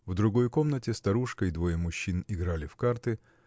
В другой комнате старушка и двое мужчин играли в карты.